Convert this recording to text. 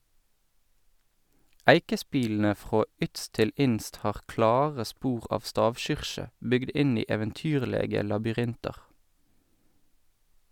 Eikespilene frå ytst til inst har klare spor av stavkyrkje, bygd inn i eventyrlege labyrintar.